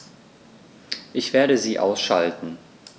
Ich werde sie ausschalten